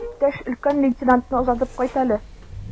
Иптәш өлкән лейтенантны озатып кайт әле.